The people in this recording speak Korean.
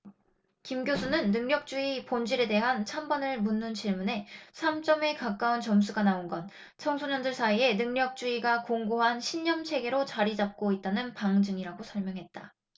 김 교수는 능력주의 본질에 대한 찬반을 묻는 질문에 삼 점에 가까운 점수가 나온 건 청소년들 사이에 능력주의가 공고한 신념체계로 자리잡고 있다는 방증이라고 설명했다